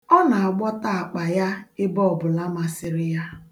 Ọ na-agbọtọ akpa ya ebe ọbụla masịrị ya.